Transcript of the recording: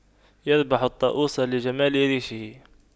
يذبح الطاووس لجمال ريشه